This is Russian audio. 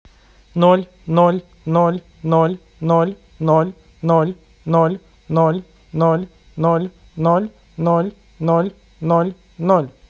ноль ноль ноль ноль ноль ноль ноль ноль ноль ноль ноль ноль ноль ноль ноль ноль